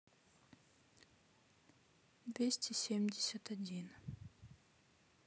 двести семьдесят один